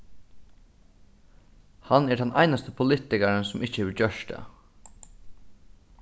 hann er tann einasti politikarin sum ikki hevur gjørt tað